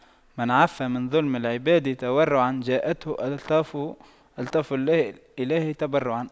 من عَفَّ عن ظلم العباد تورعا جاءته ألطاف الإله تبرعا